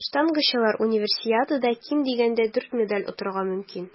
Штангачылар Универсиадада ким дигәндә дүрт медаль отарга мөмкин.